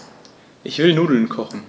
Ich will Nudeln kochen.